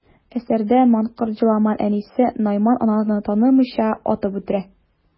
Әсәрдә манкорт Җоламан әнисе Найман ананы танымыйча, атып үтерә.